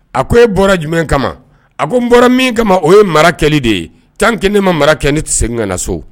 A ko e bɔra jumɛn kama a ko n bɔra min kama o ye mara kɛ de ye c kɛ ne ma mara kɛ ne tɛ se ka na so